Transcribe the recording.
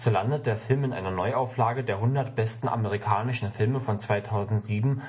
landet der Film in einer Neuauflage der 100 besten amerikanischen Filme von 2007